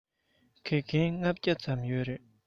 དགེ རྒན ༥༠༠ ཙམ ཡོད རེད